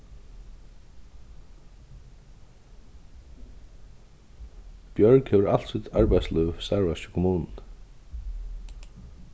bjørg hevur alt sítt arbeiðslív starvast hjá kommununi